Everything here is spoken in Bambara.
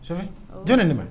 Jɔn nin ma